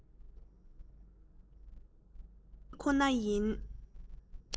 རྩོམ རིག ཁོ ན ཡིན